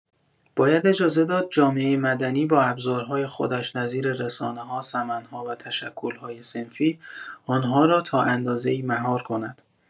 باید اجازه داد جامعه مدنی با ابزارهای خودش نظیر رسانه‌ها، سمن‌ها و تشکل‌های صنفی آنها را تا اندازه‌ای مهار کند